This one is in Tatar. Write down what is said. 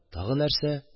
Тагы нәрсә